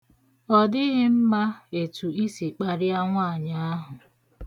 Ọ dịghị mma etu ị si kparịa nwaanyị ahụ.